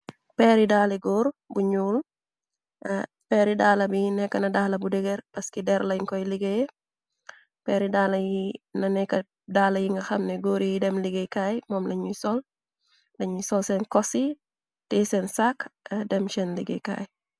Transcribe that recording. peeri daala góor bu ñuul peeri daala bi nekk na daala bu degër paski der lañ koy liggéey peeri daala yi na nekk daala yi nga xamne góor yy dem liggéey kaay moom lañuy sol dañuy sol seen kosi tey seen sack dem cheen liggéeykaay